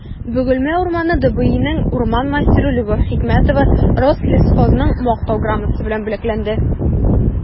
«бөгелмә урманы» дбинең урман мастеры любовь хикмәтова рослесхозның мактау грамотасы белән бүләкләнде